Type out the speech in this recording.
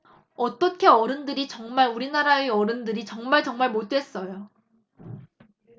어떻게 어른들이 정말 우리나라의 어른들이 정말정말 못됐어요